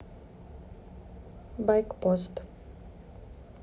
байк пост